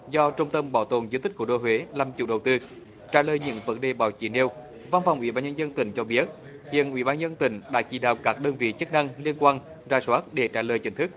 do trung tâm bảo tồn di tích cố đô huế làm chủ đầu tư trả lời những vấn đề báo chí nêu văn phòng ủy ban nhân dân tỉnh cho biết hiện ủy ban dân tỉnh đã chỉ đạo các đơn vị chức năng liên quan rà soát để trả lời chính thức